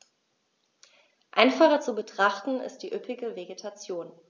Einfacher zu betrachten ist die üppige Vegetation.